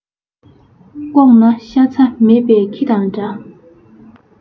ལྐོག ན ཤ ཚ མེད པ ཁྱི དང འདྲ